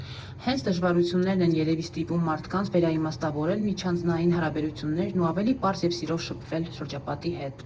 Հենց դժվարություններն են երևի ստիպում մարկանց վերաիմաստավորել միջանձնային հարաբերություններն ու ավելի պարզ և սիրով շբվել շրջապատի հետ։